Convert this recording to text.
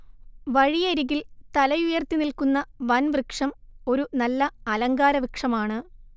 വഴിയരികിൽ തലയുയർത്തി നിൽക്കുന്ന വൻവൃക്ഷം ഒരു നല്ല അലങ്കാരവൃക്ഷമാണ്